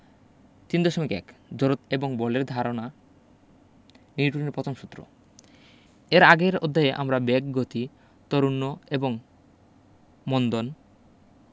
৩.১ জড়তা এবং বলের ধারণা নিউটনের পথম সূত্র এর আগের অধ্যায়ে আমরা বেগ দ্রুতি তরুন্য এবং মন্দন